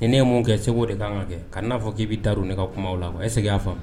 Ni ne mun kɛ segu de kan ka kɛ kana n'a fɔ'i bɛ ta don ne ka kuma la wa e segin faa